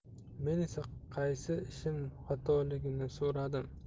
men esa qaysi ishim xatoligini so'radim